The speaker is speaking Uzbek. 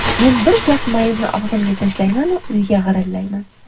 men bir kaft mayizni og'zimga tashlaymanu uyga g'irillayman